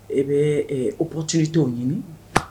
E bɛ o ptori tɛ ɲini